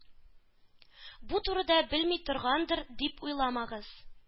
Бу турыда белми торгандыр, дип уйламагыз.